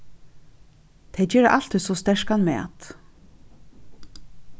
tey gera altíð so sterkan mat